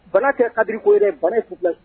Bala kɛ ariko ye baara ye su fila